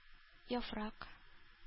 Яфрак